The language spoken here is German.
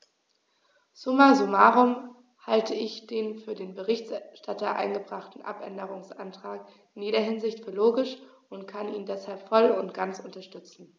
Summa summarum halte ich den von dem Berichterstatter eingebrachten Abänderungsantrag in jeder Hinsicht für logisch und kann ihn deshalb voll und ganz unterstützen.